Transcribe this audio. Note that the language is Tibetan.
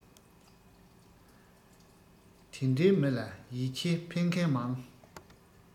དེ འདྲའི མི ལ ཡིད ཆེས ཕན མཁན མང